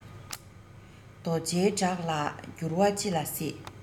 རྡོ རྗེའི བྲག ལ འགྱུར བ ཅི ལ སྲིད